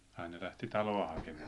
ai ne lähti taloa hakemaan